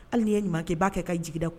Hali y ye ɲumankɛ b'a kɛ kajda kɔ